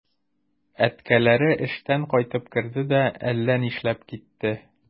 Әткәләре эштән кайтып керде дә әллә нишләп китте.